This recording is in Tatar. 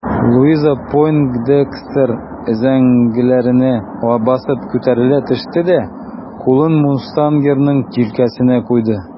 Луиза Пойндекстер өзәңгеләренә басып күтәрелә төште дә кулын мустангерның җилкәсенә куйды.